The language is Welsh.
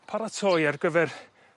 Paratoi ar gyfer